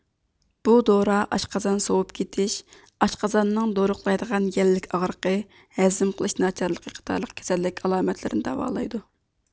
بۇ دورا ئاشقازان سوغۇپ كېتىش ئاشقازاننىڭ دوروقلايدىغان يەللىك ئاغرىقى ھەزىم قىلىش ناچارلىقى قاتارلىق كېسەللىك ئالامەتلىرىنى داۋالايدۇ